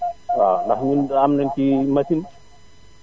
waaw ndax ñun am nañu ciy machine